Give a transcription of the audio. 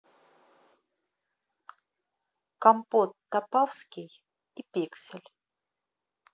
компот топавский и пиксель